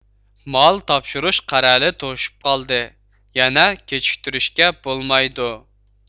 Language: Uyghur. مال تاپشۇرۇش قەرەلى توشۇپ قالدى يەنە كېچىكتۈرۈشكە بولمايدۇ